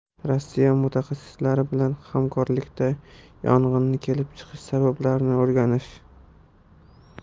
rossiya mutaxassislari bilan hamkorlikda yong'inni kelib chiqish sabablarini o'rganish